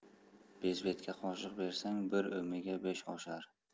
bezbetga qoshiq bersang bir o'miga besh oshar